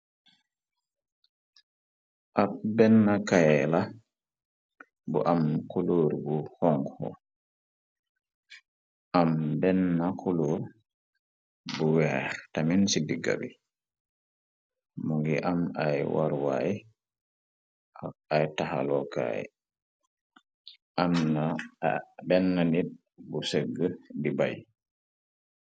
ab benn kaye la bu am kuluur bu xongo am benna kulur bu weex tamin ci digga bi mu ngi am ay warwaay ay taxalokaay bén n nit bu segg di bay